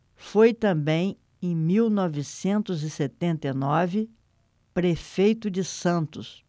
foi também em mil novecentos e setenta e nove prefeito de santos